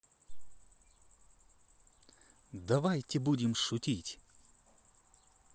давайте будем шутить